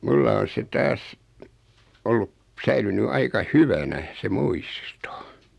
minulla on se taas ollut säilynyt aika hyvänä se muisto